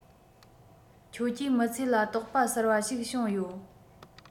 ཁྱོད ཀྱིས མི ཚེ ལ རྟོག པ གསར པ ཞིག བྱུང ཡོད